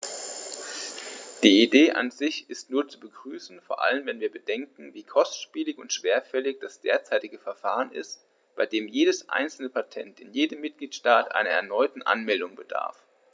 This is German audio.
Die Idee an sich ist nur zu begrüßen, vor allem wenn wir bedenken, wie kostspielig und schwerfällig das derzeitige Verfahren ist, bei dem jedes einzelne Patent in jedem Mitgliedstaat einer erneuten Anmeldung bedarf.